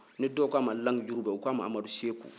ni dɔw k'a ma langijurube u k'a ma amadu seku